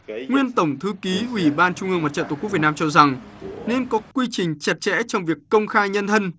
nguyên tổng thư ký ủy ban trung ương mặt trận tổ quốc việt nam cho rằng nên có quy trình chặt chẽ trong việc công khai nhân thân